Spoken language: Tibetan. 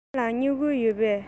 ཁྱེད རང ལ སྨྱུ གུ ཡོད པས